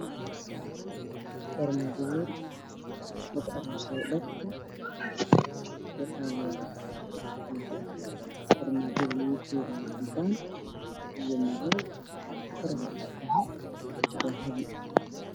Armajo ween waxey ladahay afar albaab midabkede waa cadan io madow kor waxey katahay dahbi